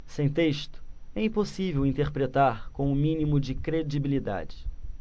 sem texto é impossível interpretar com o mínimo de credibilidade